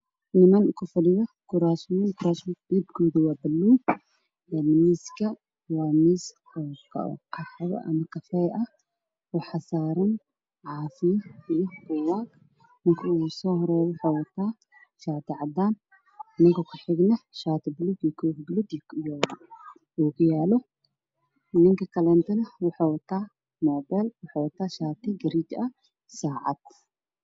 niman ku fadhiyo kuraas kuraasta waa madow miskana waa qaxwo waxaa saaran caafi iso qudaar ninka soo haray wuxuu wataa shaati cadaan ninka ku xigana shaati baluug iyo koofi gaduud iyo oo kiyaalo ninka kaleetana waxuu wataa taleefan iyo saacad